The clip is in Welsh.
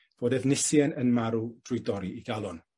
bod Efnisien yn marw drwy dorri 'i galon.